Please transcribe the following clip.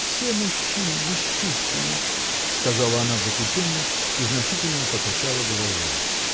Все мужчины бесчувственны, -- сказала она в заключение и значительно покачала головой.